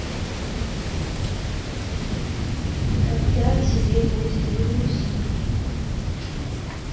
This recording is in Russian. когда тебе будет грустно